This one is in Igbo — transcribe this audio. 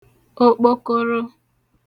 okpokoro